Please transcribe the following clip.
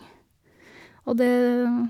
Og det...